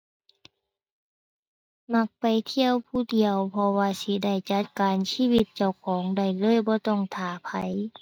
มักไปเที่ยวผู้เดียว เพราะว่าสิได้จัดการชีวิตเจ้าของได้เลย บ่ต้องท่าไผ